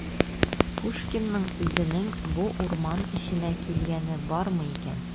Пушкинның үзенең бу урман эченә килгәне бармы икән?